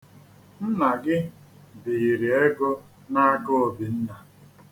Nna gị biiri ego n'aka Obinna.